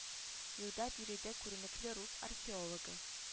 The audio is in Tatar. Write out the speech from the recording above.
Елда биредә күренекле рус археологы